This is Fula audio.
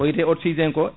ko wiyate oxygéne ko